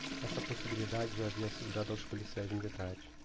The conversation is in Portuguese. essa possibilidade já havia sido dada aos policiais militares